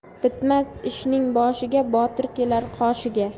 bitmas ishning boshiga botir kelar qoshiga